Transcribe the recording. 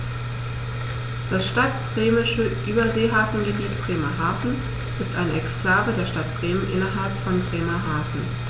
Das Stadtbremische Überseehafengebiet Bremerhaven ist eine Exklave der Stadt Bremen innerhalb von Bremerhaven.